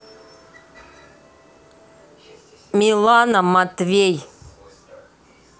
милана матвей